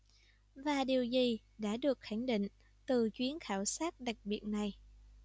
và điều gì đã được khẳng định từ chuyến khảo sát đặc biệt này